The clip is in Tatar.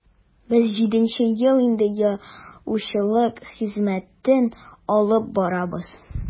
Без җиденче ел инде яучылык хезмәтен алып барабыз.